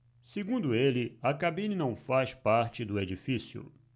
segundo ele a cabine não faz parte do edifício